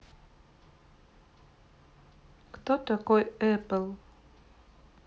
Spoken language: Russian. кто такой эппл